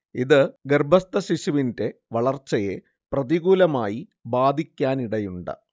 ഇതു ഗർഭസ്ഥശിശുവിന്റെ വളർച്ചയെ പ്രതികൂലമായി ബാധിക്കാനിടയുണ്ട്